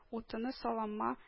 Утыны-салама